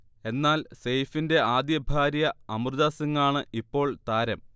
എന്നാൽ സെയ്ഫിൻറെ ആദ്യ ഭാര്യ അമൃത സിങ്ങാണ് ഇപ്പോൾ താരം